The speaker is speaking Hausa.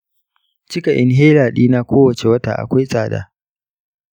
cika inhaler dina kowane wata akwai tsada sosai.